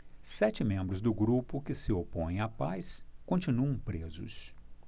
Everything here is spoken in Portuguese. sete membros do grupo que se opõe à paz continuam presos